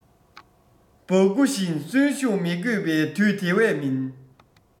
འབག སྐུ བཞིན གསོན ཤུགས མི དགོས པའི དུས དེ བས མིན